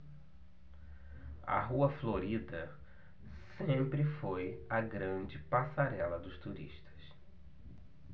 a rua florida sempre foi a grande passarela dos turistas